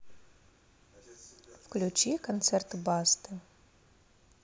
включи концерт басты